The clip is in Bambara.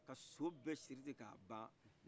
ka so bɛɛ siri ten ka a ban